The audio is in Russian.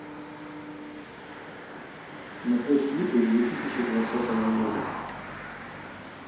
смотреть клипы две тысячи двадцатого года